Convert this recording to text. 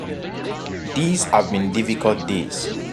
These have been difficult days.